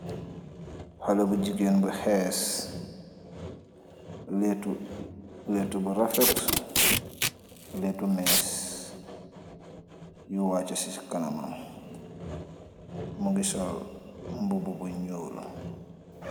Haleh bu jigen bu khess, letu letu bu refet, letu mess, yu wacha si kanamam, mungi sol mbubu bu nyul.